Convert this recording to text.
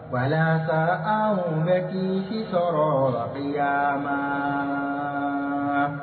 Walasa an bɛ k sɔrɔ la ya ma